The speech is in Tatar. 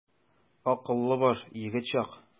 Акыллы баш, егет чак.